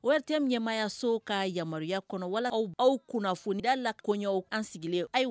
ORTM ɲɛmayaso ka yamaruya kɔnɔ wala aw kunnafoni kunnafoni yala koɲɛw, anw sigilen, ayi wa